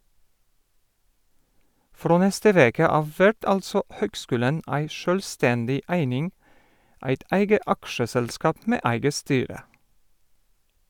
Frå neste veke av vert altså høgskulen ei sjølvstendig eining, eit eige aksjeselskap med eige styre.